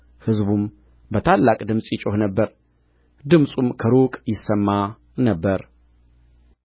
ሕዝቡም በታላቅ ድምፅ ይጮኽ ነበር ድምፁም ከሩቅ ይሰማ ነበር